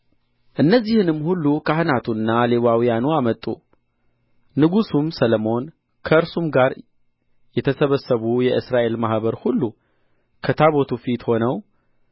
እነዚህንም ሁሉ ካህናቱና ሌዋውያኑ አመጡ ንጉሡም ሰሎሞን ከእርሱም ጋር የተሰበሰቡ የእስራኤል ማኅበር ሁሉ በታቦቱ ፊት ሆነው